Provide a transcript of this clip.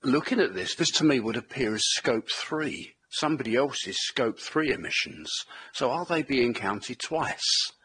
Looking at this, this to me would appear as scope three. Somebody else's scope three emissions. So are they being counted twice?